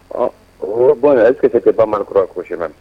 Ɔ o hɔrɔn bɔn ase kɛ banrikɔrɔ kosina